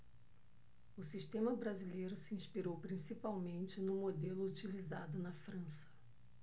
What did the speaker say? o sistema brasileiro se inspirou principalmente no modelo utilizado na frança